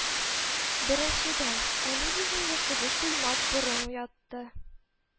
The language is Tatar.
Беренчедән, әни безне йокыбыз туймас борын уятты